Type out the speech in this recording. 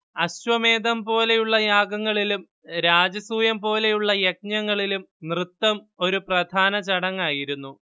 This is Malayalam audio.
അശ്വമേധം പോലെയുള്ള യാഗങ്ങളിലും രാജസൂയം പോലെയുള്ള യജ്ഞങ്ങളിലും നൃത്തം ഒരു പ്രധാന ചടങ്ങായിരുന്നു